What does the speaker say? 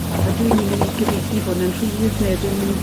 Ydw i'n myn' i gyfieithu hwn yn rhydd, ne' ydw i'n myn' i